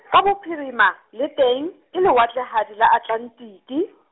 ka bophirima, le teng, ke lewatlehadi la Atlelantiki.